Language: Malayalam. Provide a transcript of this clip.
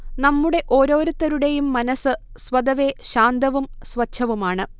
നമ്മുടെ ഓരോരുത്തരുടെയും മനസ്സ് സ്വതവേ ശാന്തവും സ്വഛവുമാണ്